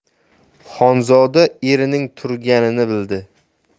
xonzoda erining turganini bildi